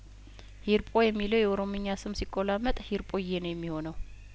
ሂርጶ የሚለው የኦሮምኛ ስም ሲቆላመጥ ሂርጱዬ ነው የሚሆነው